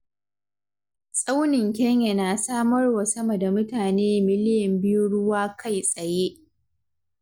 Tsaunin Kenya na samar wa sama da mutane miliyan biyu ruwa kai-tsaye.